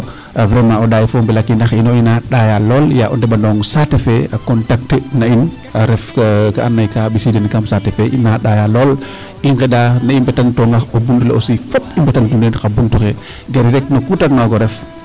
Vraiment o ɗaay fo o mbelaxinax ino i ɗaaya lool yaam o ɗeɓandoong saate fe a contact na in a ref kaa andoona yee kaa ɓisiidan kam saate fe ina ɗaaya lool ,i ngeɗa ne i mbetantoona o buntu le aussi fop i mbetan neen xa buntu xe gari rek no kuu te waag na waag o ref .